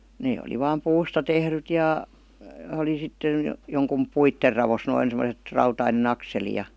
ne oli vain puusta tehdyt ja oli sitten jonkun puiden raossa noin semmoiset rautainen akseli ja